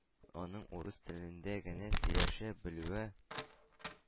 Аның урыс телендә генә сөйләшә белүе